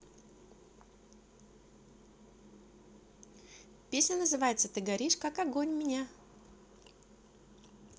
песня называется ты горишь как огонь меня